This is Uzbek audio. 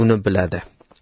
uni biladi